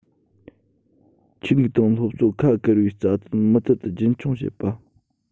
ཆོས ལུགས དང སློབ གསོ ཁ བཀར བའི རྩ དོན མུ མཐུད དུ རྒྱུན འཁྱོངས བྱེད པ